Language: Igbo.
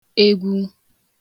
egwu